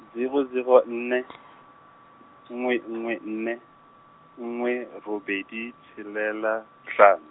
zero zero nne , nngwe nngwe nne, nngwe robedi, tshelela, hlano.